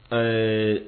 Ɛɛ